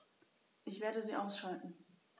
Ich werde sie ausschalten